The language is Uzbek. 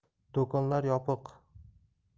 do'konlar yopiq